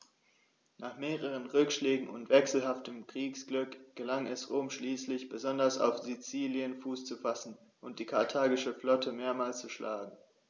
Nach mehreren Rückschlägen und wechselhaftem Kriegsglück gelang es Rom schließlich, besonders auf Sizilien Fuß zu fassen und die karthagische Flotte mehrmals zu schlagen.